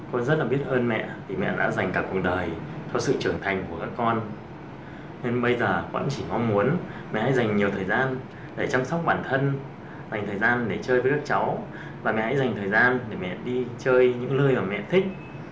tôi rất là biết ơn mẹ vì mẹ đã dành cả cuộc đời cho sự trưởng thành của các con nhưng bây giờ con cũng chỉ mong muốn mẹ hãy dành nhiều thời gian để chăm sóc bản thân dành thời gian để chơi với các cháu và mẹ hãy dành thời gian để mẹ đi chơi những lơi mà mẹ thích